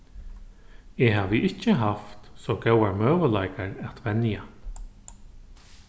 eg havi ikki havt so góðar møguleikar at venja